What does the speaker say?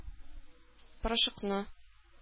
Порошокны